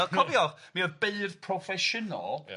Wel cofio, mi o'dd beirdd proffesiynol... Ia...